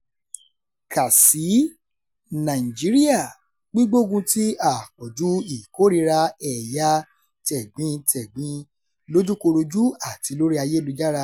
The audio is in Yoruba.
Kà sí i: Nàìjíríà: Gbígbógun ti àpọ̀jù ìkórìíra ẹ̀yà tẹ̀gbintẹ̀gbin — lójúkorojú àti lórí ayélujára